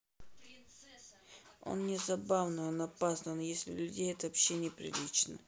он не забавный он опасный он если людей это вообще неприлично